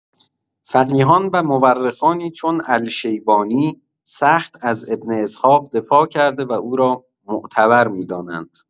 فقیهان و مورخانی چون الشیبانی، سخت از ابن اسحاق دفاع کرده و او را معتبر می‌دانند.